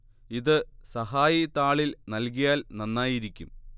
ഇത് സഹായി താളിൽ നൽകിയാൽ നന്നായിരിക്കും